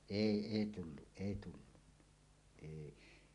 ei ei tullut ei tullut ei